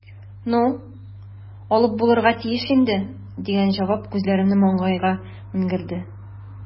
"ну, алып булырга тиеш инде", – дигән җавап күзләремне маңгайга менгерде.